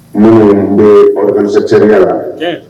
Minnu minnu bɛ kisɛsɛriya la